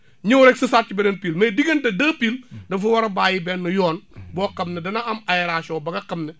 ñëw rek sësaat si beneen pile mais diggante deux pile dafa war a bçyyi benn yoonboo xam ne dana am aération ba nga xam ne